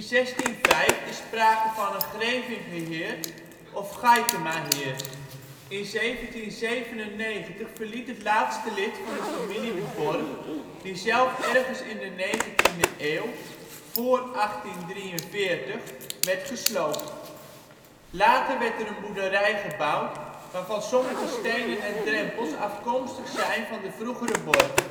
1605 is sprake van een Grevingeheerd of Gaykemaheerd. In 1797 verliet het laatste lid van de familie de borg, die zelf ergens in de 19e eeuw (voor 1843) werd gesloopt. Later werd er een boerderij gebouwd, waarvan sommige stenen en drempels afkomstig zijn van de vroegere borg